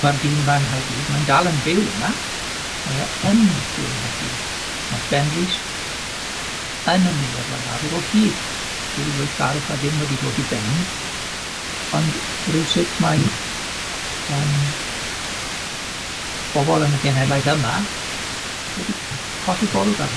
Ma'r dyn yma yng Nghaerdydd, mae'n dal yn byw yma, mae e yn byw yng Nghaerdydd, ma' Ben Rees yn ymwneud â'r Blaid Lafur o hyd dyw 'i weithgarwch a ddim wedi dod i ben, ond rywsut mae yym bobol yn y genhedlaeth yma wedi colli golwg ar